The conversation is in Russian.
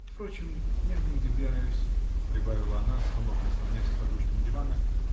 Впрочем, я не удивляюсь, -- прибавила она, снова прислонясь к подушкам дивана.